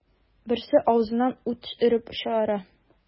Берсе авызыннан ут өреп чыгара.